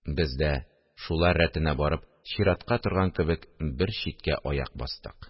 Без дә, шулар рәтенә барып, чиратка торган кебек, бер читкә аяк бастык